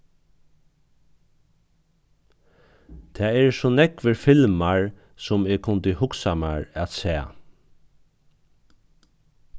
tað eru so nógvir filmar sum eg kundi hugsað mær at sæð